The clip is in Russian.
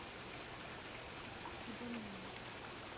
обо мне